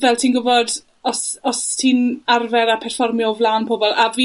fel ti'n gwbod, os, os ti'n arfer â perfformio o flan pobol, a fi